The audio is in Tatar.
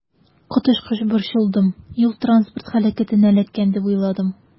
Коточкыч борчылдым, юл-транспорт һәлакәтенә эләккән дип уйладым.